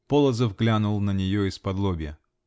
Полозов глянул на нее исподлобья.